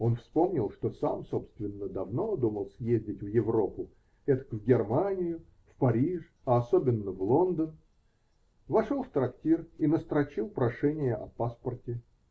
Он вспомнил, что сам, собственно, давно думал съездить в Европу -- этак, в Германию, в Париж, а особенно в Лондон, -- вошел в трактир и настрочил прошение о паспорте.